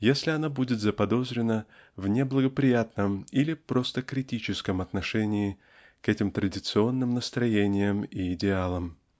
если она будет заподозрена в неблагоприятном или просто критическом отношении к этим традиционным настроениям и идеалам.